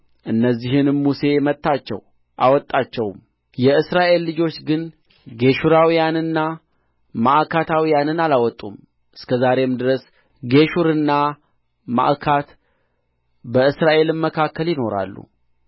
እነዚህንም ሙሴ መታቸው አወጣቸውም የእስራኤል ልጆች ግን ጌሹራውያንንና ማዕካታውያንን አላወጡም እስከ ዛሬም ድረስ ጌሹርና ማዕካት በእስራኤል መካከል ይኖራሉ